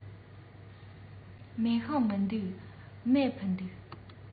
མེ ཤིང མི འདུག མེ ཕུ འདུག